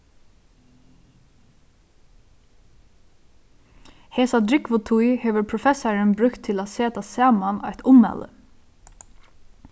hesa drúgvu tíð hevur professarin brúkt til at seta saman eitt ummæli